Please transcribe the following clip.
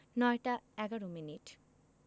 ০৯ টা ১১ মিনিট